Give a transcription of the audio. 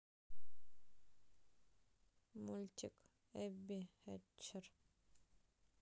мультик эбби хэтчер